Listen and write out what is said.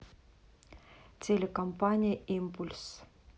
телекомпания импульс